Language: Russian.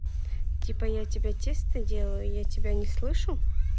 типа я тебя тесто делаю я тебя не слышу